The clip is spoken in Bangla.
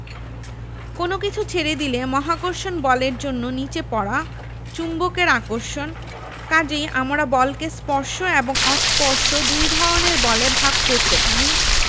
কোনো কিছু ছেড়ে দিলে মহাকর্ষণ বলের জন্য নিচে পড়া চুম্বকের আকর্ষণ কাজেই আমরা বলকে স্পর্শ এবং অস্পর্শ দুই ধরনের বলে ভাগ করতে পারি